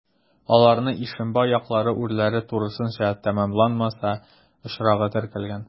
Аларны Ишембай яклары урләре тулысынча тәмамланмаса очрагы теркәлгән.